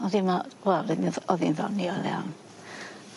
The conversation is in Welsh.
O'dd i ma- wel oddi'n ddoniol iawn.